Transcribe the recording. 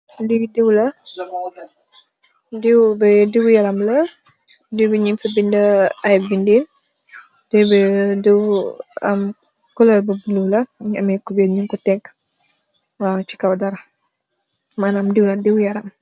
Li diw la diw bi diw-yaram la diw bi ñim fa bind ay bindien bi am kolal ba bulu la ñamee ku ber ñu ko tegk wa ci kawa dara manm diwla diw yaram.